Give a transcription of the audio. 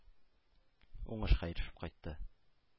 Уңышка ирешеп кайтты.